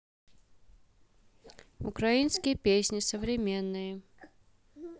украинские песни современные